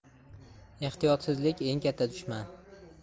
ehtiyotsizlik eng katta dushman